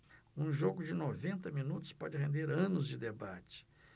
um jogo de noventa minutos pode render anos de debate